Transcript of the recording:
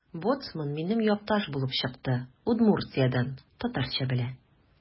Боцман минем якташ булып чыкты: Удмуртиядән – татарча белә.